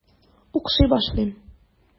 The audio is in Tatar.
Укшый башлыйм.